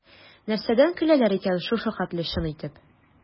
Нәрсәдән көләләр икән шушы хәтле чын итеп?